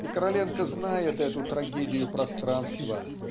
И Короленко знает эту трагедию пространства